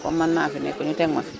kon man maa fi nekk ñu teg ma fi